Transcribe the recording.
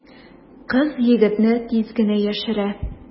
Кыз егетне тиз генә яшерә.